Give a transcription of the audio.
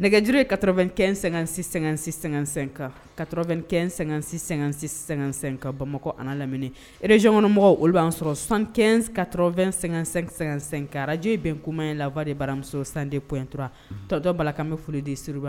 nɛgɛjurue ye ka2ɛn--sɛ-sɛ-sɛka ka2-ɛn--sɛ-sɛ--sɛka bamakɔ ani laminiinɛ ereykɔnɔmɔgɔw olu b y'a sɔrɔ san ka2---sɛka araj bɛn kuma in lafa de baramuso san de pytɔ tɔtɔ bala lakanmɛ foli de suruba ma